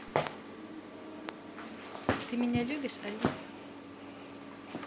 ты меня любишь алиса